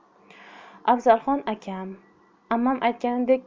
afzalxon akam ammam aytganidek